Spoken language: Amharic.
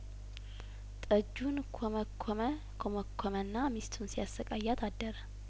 ጠጁን ኰመኰመ ኰመኰመና ሚስቱን ሲያሰቃያት አደረ